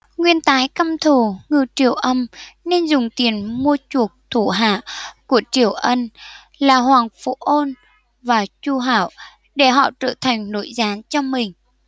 nguyên tái căm thù ngư triều ân nên dùng tiền mua chuộc thủ hạ của triều ân là hoàng phụ ôn và chu hạo để họ trở thành nội gián cho mình